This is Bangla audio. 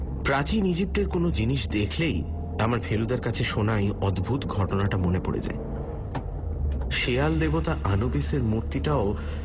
প্রাচীন ইজিপ্টের কোনও জিনিস দেখলেই আমার ফেলুদার কাছে শোনা এই অদ্ভূত ঘটনাটা মনে পড়ে যায় শেয়াল দেবতা আনুবিসের মূর্তিটাও